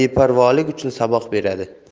beparvolik uchun saboq beradi